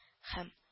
Һәм